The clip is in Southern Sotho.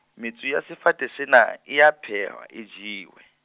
metso ya sefate sena, e a phehwa, e jewe.